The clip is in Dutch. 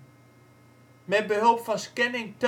Met behulp van Scanning Tunneling